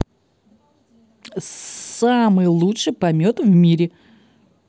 самый лучший помет в мире